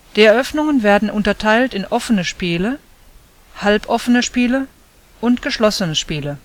Die Eröffnungen werden unterteilt in Offene Spiele, Halboffene Spiele und Geschlossene Spiele